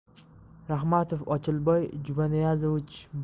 ramatov ochilboy jumaniyazovich